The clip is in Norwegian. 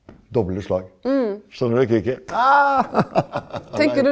doble slag, kjenner det kicket .